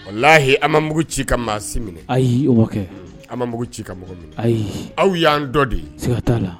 Walahi ma mugu ci ka maa si minɛ ayi kɛ ma mugu ci ka mɔgɔ ayi aw y'an dɔ de ka t'a la